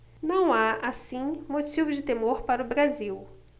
não há assim motivo de temor para o brasil